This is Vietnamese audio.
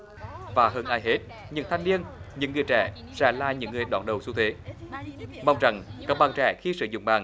và hơn ai hết những thanh niên những đứa trẻ sẽ là những người đón đầu xu thế mong rằng các bạn trẻ khi sử dụng mạng